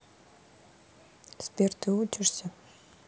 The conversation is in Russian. сбер ты учишься